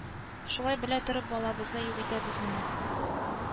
Шулай белә торып балабызны юк итәбез мени